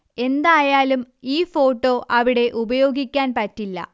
എന്തായാലും ഈ ഫോട്ടോ അവിടെ ഉപയോഗിക്കാൻ പറ്റില്ല